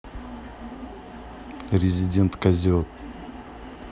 resident козет